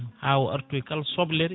hawo artoyi kal soblere